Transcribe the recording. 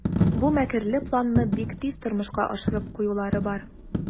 Бу мәкерле планны бик тиз тормышка ашырып куюлары бар.